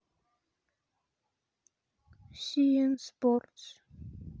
си эн спортс